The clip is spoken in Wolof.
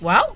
waaw